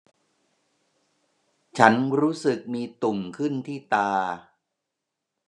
ฉันรู้สึกมีตุ่มขึ้นที่ตา